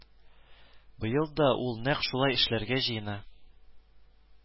Быел да ул нәкъ шулай эшләргә җыена